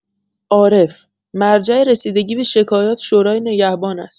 عارف: مرجع رسیدگی به شکایات، شورای نگهبان است!